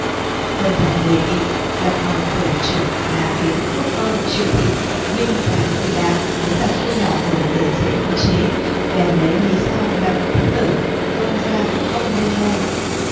quần thần đề nghị lập hoàng tử trưởng là kiến quốc công triệu thị nhưng giả tự đạo muốn lập vua nhỏ tuổi để dễ khống chế bèn lấy lí do lập đích tử tôn gia quốc công lên ngôi